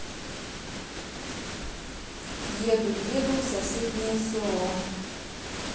еду еду в соседнее село